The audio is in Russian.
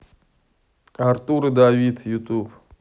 артур и давид ютуб